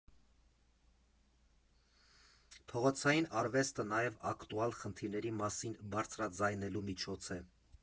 Փողոցային արվեստը նաև ակտուալ խնդիրների մասին բարձրաձայնելու միջոց է։